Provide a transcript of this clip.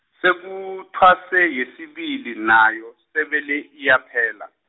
sekuthwase yesibili nayo, sebele iyaphela.